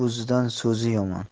o'zidan so'zi yomon